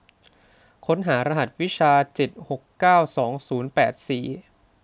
ค้นหารหัสวิชาเจ็ดหกเก้าสองศูนย์แปดสี่